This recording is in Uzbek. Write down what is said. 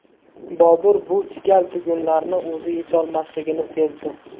bobur bu chigal tugunlarni o'zi yecholmasligini sezadi